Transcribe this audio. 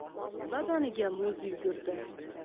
badaniga muz yugurdi